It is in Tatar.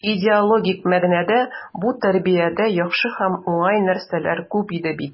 Идеологик мәгънәдә бу тәрбиядә яхшы һәм уңай нәрсәләр күп иде бит.